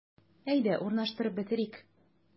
Әйдә, урнаштырып бетерик.